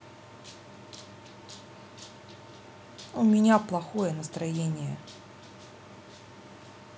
у меня плохое настроение